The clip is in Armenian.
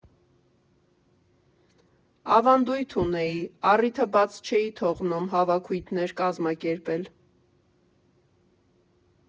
Ավանդույթ ունեի, առիթը բաց չէի թողնում հավաքույթներ կազմակերպել։